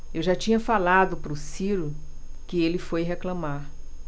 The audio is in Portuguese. eu já tinha falado pro ciro que ele foi reclamar